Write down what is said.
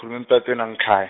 khuluma emtatweni wangekhaya.